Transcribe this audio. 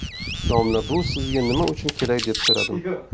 domla bu sizga nima uchun kerak deb so'radim